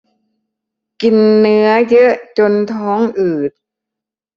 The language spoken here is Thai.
กินเนื้อเยอะจนท้องอืด